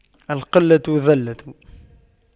القلة ذلة